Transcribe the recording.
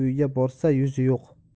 uyga borsa yuzi yo'q